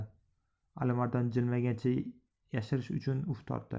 alimardon jilmaygancha yashirish uchun uf tortdi